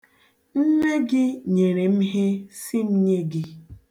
Nne gị nyere m ihe sị m nye gị.